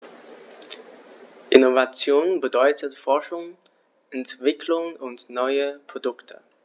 Innovation bedeutet Forschung, Entwicklung und neue Produkte.